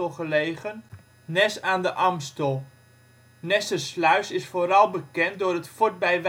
gelegen Nes aan de Amstel. Nessersluis is vooral bekend door het Fort bij